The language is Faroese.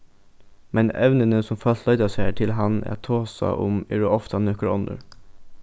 men evnini sum fólk leita sær til hann at tosa um eru ofta nøkur onnur